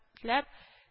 Ләп